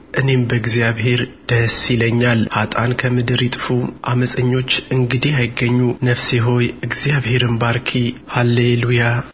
እኔም በእግዚአብሔር ደስ ይለኛል ኅጥኣን ከምድር ይጥፉ ዓመፀኞች እንግዲህ አይገኙ ነፍሴ ሆይ እግዚአብሔርን ባርኪ ሃሌ ሉያ